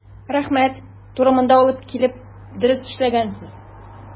Рәхмәт, туры монда алып килеп дөрес эшләгәнсез.